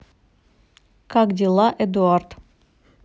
как дела эдуард